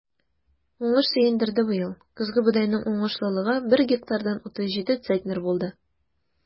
Уңыш сөендерде быел: көзге бодайның уңышлылыгы бер гектардан 37 центнер булды.